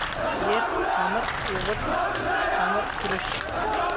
yer xamir o'g'it xamirturush